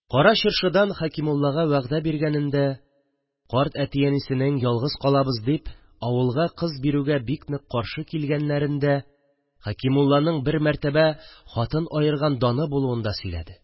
Кара Чыршыдан Хәкимуллага вәгъдә биргәнен дә, карт әти-әнисенең ялгыз калабыз дип, авылга кыз бирүгә бик нык каршы килгәннәрен дә, Хәкимулланың бер мәртәбә хатын аерган даны булуын да сөйләде